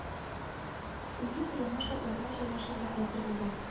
Элита яңа шарталарга җайлашырга әзер булган